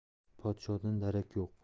podshodan darak yo'q